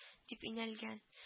Дип инәлгән